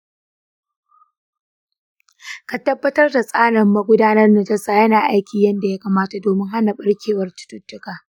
ka tabbatar da tsarin magudanar najasa yana aiki yadda ya kamata domin hana barkewar cututtuka.